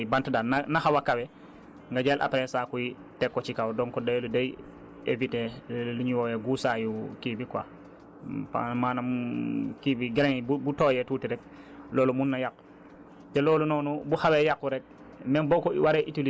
xoolal lépp loo ci mën a def soit ay ay bant daal na na xaw a kawe nga jël après saaku yi teg ko ci kaw donc day day éviter lu ñuy wooyee guusaayu kii bi quoi maanaam kii bi grain yi bu bu bu tooyee tuuti rekk loolu mën na yàqu